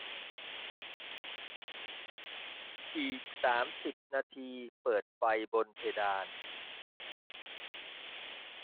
อีกสามสิบนาทีเปิดไฟบนเพดาน